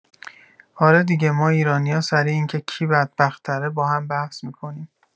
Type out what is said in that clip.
آره دیگه ما ایرانیا سر اینکه کی بدبخت تره با هم بحث می‌کنیم